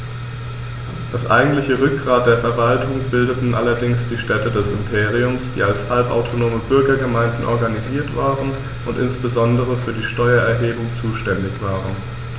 Das eigentliche Rückgrat der Verwaltung bildeten allerdings die Städte des Imperiums, die als halbautonome Bürgergemeinden organisiert waren und insbesondere für die Steuererhebung zuständig waren.